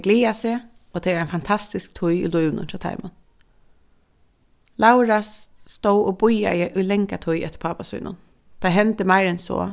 tey gleða seg og tað er ein fantastisk tíð í lívinum hjá teimum laura stóð og bíðaði í langa tíð eftir pápa sínum tað hendi meir enn so